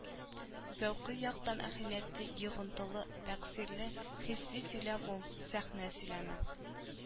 Зәүкый яктан әһәмиятле, йогынтылы, тәэсирле, хисси сөйләм ул — сәхнә сөйләме.